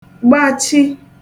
gbachi